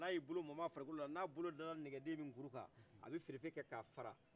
n' a y' i bolo mɔmɔ a farikolo la n' a bolo dala nɛgɛden min kuru kan a bɛ sirife kɛ ka a fara